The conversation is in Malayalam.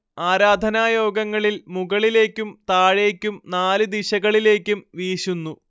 ആരാധനായോഗങ്ങളിൽ മുകളിലേക്കും താഴേയ്ക്കും നാല് ദിശകളിലേക്കും വീശുന്നു